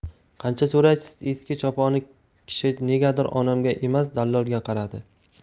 qancha so'raysiz eski choponli kishi negadir onamga emas dallolga qaradi